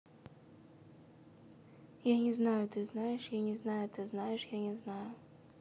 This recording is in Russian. я не знаю ты знаешь я не знаю ты знаешь я не знаю